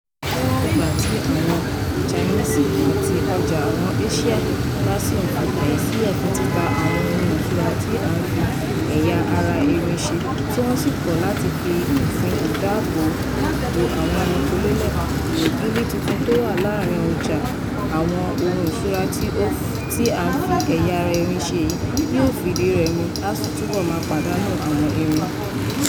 Níwọ̀n ìgbà tí àwọn Chinese àti ọjà àwọn Asian bá ṣì ń fi aàyè sílẹ̀ fún títa àwọn ohun ìṣura tí a fi ẹ̀yà ara erin ṣe, tí wọ́n sì kọ̀ láti fi ofin ìdábò bo àwọn ẹranko lélẹ̀, ìwọ́gilé tuntun tó wà lórí ọjà àwọn ohun ìṣura tí a fi ẹ̀yà ara erin ṣe yìí yóò fìdí rẹmi, a ó sì túbọ̀ máa pàdánu àwọn erin.